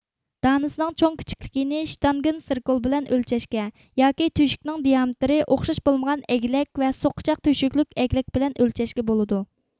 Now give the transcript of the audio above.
دانىسننىڭ چوڭ كىچىكلىكىنى شتانگېنسركول بىلەن ئۆلچەشكە ياكى تۆشۈكنىڭ دېئامېتىرى ئوخشاش بولمىغان ئەگلەك ۋە سوقىچاق تۆشۈكلۈك ئەگلەك بىلەن ئۆلچەشكە بولىدۇ